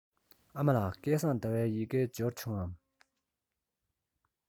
ཨ མ ལགས སྐལ བཟང ཟླ བའི ཡི གེ འབྱོར བྱུང ངམ